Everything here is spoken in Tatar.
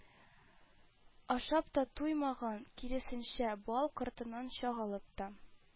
Ашап та туймаган, киресенчә, бал кортыннан чагылып та